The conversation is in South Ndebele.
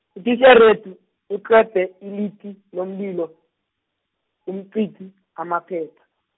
utitjherethu, utlwebhe, ilithi, lomlilo, umcithi, amaphepha.